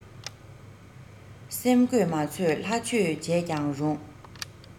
སེམས གོས མ ཆོད ལྷ ཆོས བྱས ཀྱང རུང